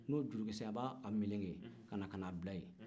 aw b'o jurukisɛ meleke ka na bila yen